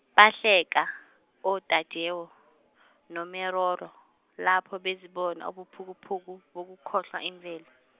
bahleka oTajewo, noMeroro, lapho bezibona ubuphukuphuku bokukhohlwa imvelo.